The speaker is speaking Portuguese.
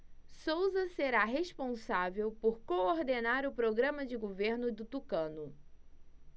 souza será responsável por coordenar o programa de governo do tucano